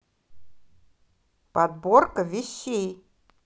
подборка вещей